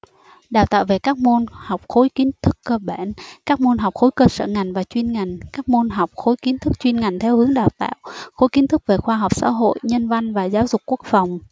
đào tạo về các môn học khối kiến thức cơ bản các môn học khối cơ sở ngành và chuyên ngành các môn học khối kiến thức chuyên ngành theo hướng đào tạo khối kiến thức về khoa học xã hội nhân văn và giáo dục quốc phòng